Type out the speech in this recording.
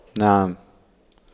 نعم